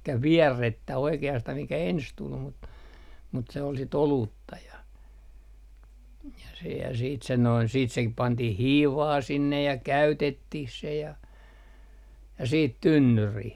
eli vierrettä oikeastaan mikä ensin tuli mutta mutta se oli sitten olutta ja ja sehän sitten sen noin sitten se pantiin hiivaa sinne ja käytettiin se ja ja sitten tynnyriin